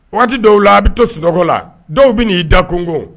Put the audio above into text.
Waati dɔw la a bɛ to sunɔgɔ la dɔw bɛ n'i da kunko